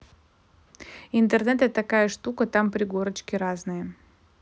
интернет это такая штука там пригорочки разные